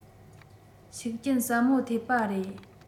ཤུགས རྐྱེན ཟབ མོ ཐེབས པ རེད